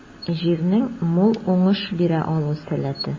Җирнең мул уңыш бирә алу сәләте.